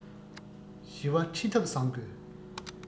བཞི བ ཁྲིད ཐབས བཟང དགོས